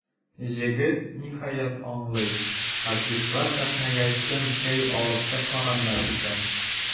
Җегет, ниһаять, аңлый: артистлар сәхнәгә чын чәй алып чыкмаганнар икән.